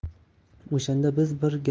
o'shanda biz bir gala